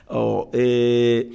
Ɔ ee